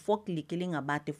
Fo ki kelen ka ba tɛ